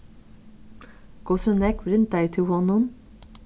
hvussu nógv rindaði tú honum